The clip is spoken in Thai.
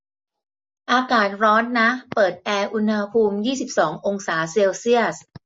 อากาศร้อนนะเปิดแอร์อุณหภูมิยี่สิบสององศาเซลเซียส